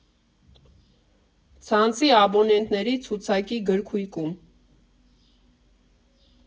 Ցանցի աբոնենտների ցուցակի գրքույկում։